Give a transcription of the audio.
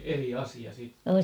eri asia sitten